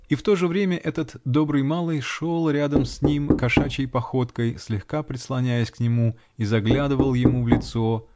И в то же время этот "добрый малый" шел рядом с ним кошачьей походкой, слегка прислоняясь к нему, и заглядывал ему в лицо